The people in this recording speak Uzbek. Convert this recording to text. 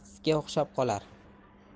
masjidga o'xshab qolar